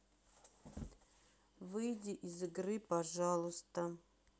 выйди из игры пожалуйста